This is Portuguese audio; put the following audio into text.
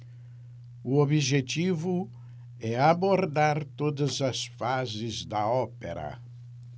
o objetivo é abordar todas as fases da ópera